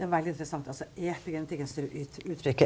det er veldig interessant altså epigenetikken styrar uttrykket.